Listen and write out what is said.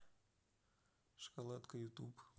шоколадка ютуб